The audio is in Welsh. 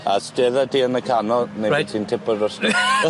A stedda ti yn y canol neu... Reit. ...by' ti'n tipo drosto.